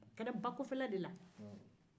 a kɛra bakɔfɛla de la